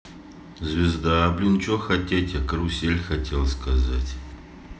звезда a блин че хотеть я карусель хотел сказать